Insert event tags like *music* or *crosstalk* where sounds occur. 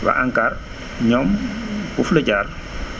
waa ANCAR *noise* ñoom *noise* foofu la jaar *noise*